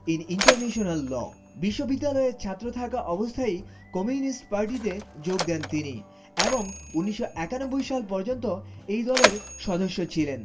in international law বিশ্ববিদ্যালয় ছাত্র থাকা অবস্থায় ই কমিউনিস্ট পার্টিতে যোগ দেন তিনি এবং ১৯৯১ সাল পর্যন্ত এই দলের সদস্য ছিলেন